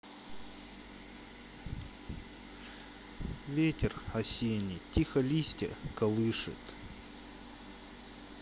ветер осенний тихо листья колышет